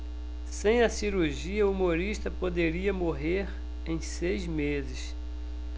sem a cirurgia humorista poderia morrer em seis meses